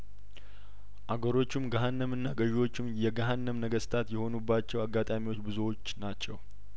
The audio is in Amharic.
አገሮቹም ገሀነምና ገዥ ዎቹም የገሀነም ነገስታት የሆኑባቸው አጋጣሚዎች ብዙዎች ናቸው